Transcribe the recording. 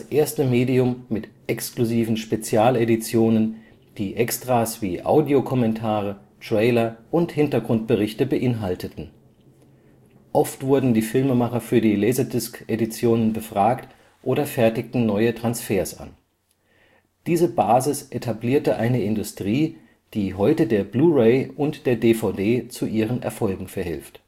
erste Medium mit exklusiven Spezialeditionen, die Extras wie Audiokommentare, Trailer und Hintergrundberichte beinhalteten. Oft wurden die Filmemacher für die LD-Editionen befragt oder fertigten neue Transfers an. Diese Basis etablierte eine Industrie, die heute der BluRay und der DVD zu ihren Erfolgen verhilft